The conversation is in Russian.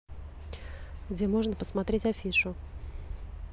где можно посмотреть афишу